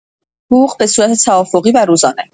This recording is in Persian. حقوق بصورت توافقی و روزانه